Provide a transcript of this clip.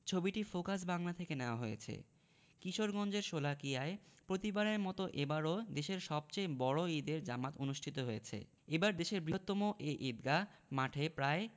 ছবিটি ফোকাস বাংলা থেকে নেয়া হয়েছে কিশোরগঞ্জের শোলাকিয়ায় প্রতিবারের মতো এবারও দেশের সবচেয়ে বড় ঈদের জামাত অনুষ্ঠিত হয়েছে এবার দেশের বৃহত্তম এই ঈদগাহ মাঠে প্রায়